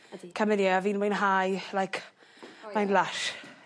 Coming here a fi'n mwynhau like, mae'n lysh.